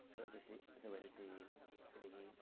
So wedes i so wedes i iddi hi.